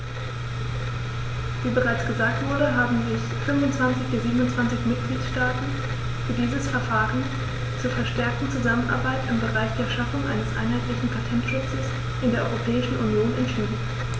Wie bereits gesagt wurde, haben sich 25 der 27 Mitgliedstaaten für dieses Verfahren zur verstärkten Zusammenarbeit im Bereich der Schaffung eines einheitlichen Patentschutzes in der Europäischen Union entschieden.